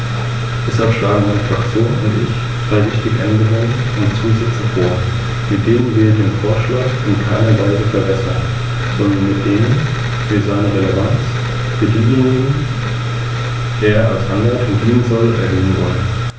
Diese Forscher haben sicher keinerlei Bedarf mehr an der italienischen Sprache, da sie Englisch, Französisch und Deutsch gelernt haben und, zum Nachteil italienischer Produkte, über alle Instrumente zur Einreichung dieser Patentanmeldungen verfügen.